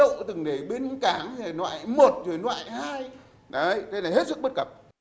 từng này bến cảng rồi loại một rồi loại hai đấy thế là hết sức bất cập